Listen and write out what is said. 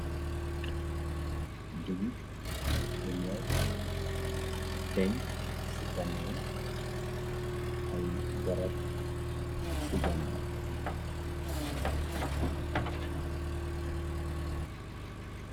dugut bu ñoor tegñ ci gano ay garab ci gano